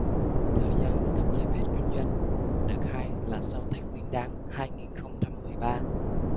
thời gian cấp giấy phép kinh doanh đợt hai là sau tết nguyên đán hai nghìn không trăm mười ba